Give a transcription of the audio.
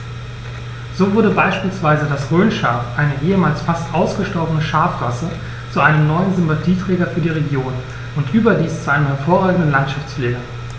So wurde beispielsweise das Rhönschaf, eine ehemals fast ausgestorbene Schafrasse, zu einem neuen Sympathieträger für die Region – und überdies zu einem hervorragenden Landschaftspfleger.